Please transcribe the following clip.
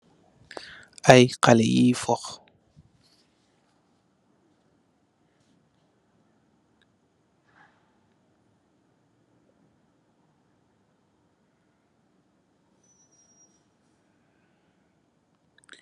Aye haleh yuyee fooh.